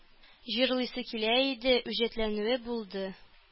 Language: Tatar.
Җырлыйсы килә иде, үҗәтләнүе булды